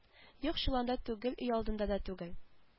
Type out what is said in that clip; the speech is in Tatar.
Юк чоланда түгел өйалдында да түгел